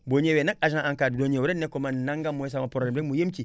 boo ñëwee nag agent ANCAR bi doo ñëw rek ne ko man nangam mooy sama problème mu yem ci